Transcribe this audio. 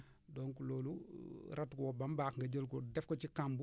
donc loolu rateau ba mu baax nga jël ko def ko ci kàmb